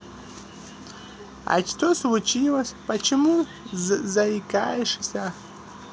а что случилось почему заикаешься